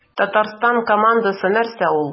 Татарстан командасы нәрсә ул?